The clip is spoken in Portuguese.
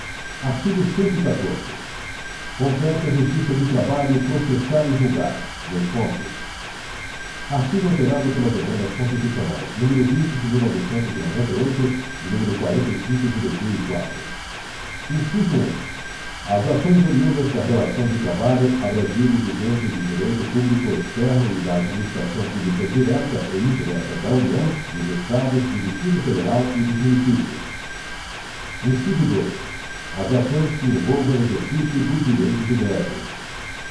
artigo cento e catorze compete à justiça do trabalho processar e julgar dois pontos artigo alterado pelas emenda constitucionais número vinte de mil novecentos e noventa e oito e número quarenta e cinco de dois mil e quatro inciso um as ações oriundas da relação de trabalho abrangidos os entes de direito público externo e da administração pública direta e indireta da união dos estados do distrito federal e dos municípios inciso dois as ações que envolvam exercício do direito de greve